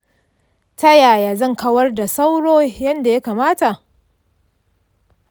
ta yaya zan kawar da sauro yadda ya kamata?